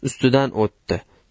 ustidan o'tdi